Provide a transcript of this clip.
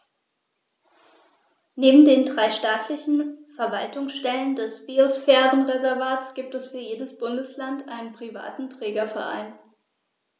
Neben den drei staatlichen Verwaltungsstellen des Biosphärenreservates gibt es für jedes Bundesland einen privaten Trägerverein.